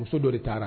Muso dɔ de taara